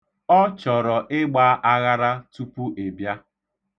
Ọ chọrọ ịgba aghara tupu ị bịa.